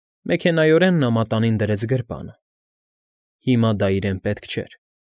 Մեքենայորեն նա մատանին դրեց գրպանը՝ հիմա դա իրեն պետք չէր։